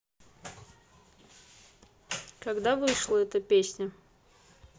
когда вышла эта песня